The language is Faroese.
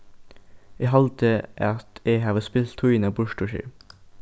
eg haldi at eg havi spilt tíðina burtur her